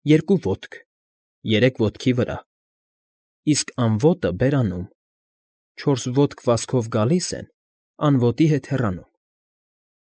Երկու ոտք՝ Երեք ոտքի վրա, Իսկ անոտը բերանում, Չորս ոտք վազքով գալիս են Անոտի հետ հեռանում։